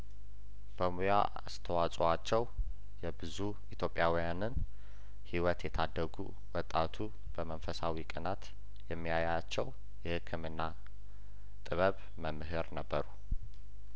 በሙያ አስተዋጽዋቸው የብዙ ኢትዮጵያውያንን ህይወት የታደጉ ወጣቱ በመንፈሳዊ ቅናት የሚያያቸው የህክምና ጥበብ መምህር ነበሩ